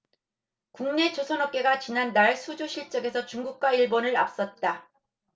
국내 조선업계가 지난달 수주 실적에서 중국과 일본을 앞섰다